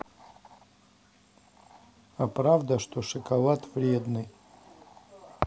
а правда что шоколад вредный